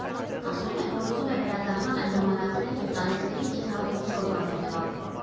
Ասում է, որ ուզում է վերադառնալ այն ժամանակներ, երբ տանիքներին կիթառով ինչ֊որ բան էր նվագում։